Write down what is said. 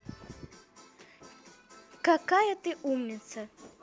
какая ты умница